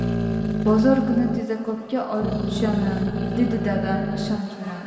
bozor kuni tezakopga olib tushaman dedi dadam ishonch bilan